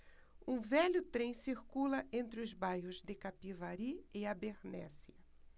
um velho trem circula entre os bairros de capivari e abernéssia